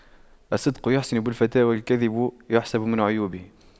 الصدق يحسن بالفتى والكذب يحسب من عيوبه